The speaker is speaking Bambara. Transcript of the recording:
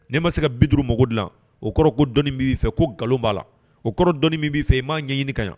N'i ma se ka 50 mako gilan o kɔrɔ ko dɔnni min b'i fɛ ko nkalon b'a la o kɔrɔ ko dɔni b'i fɛ i m'a ɲɛ ɲini ka ɲɛ.